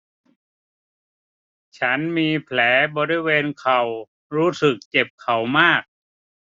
ฉันมีแผลบริเวณเข่ารู้สึกเจ็บเข่ามาก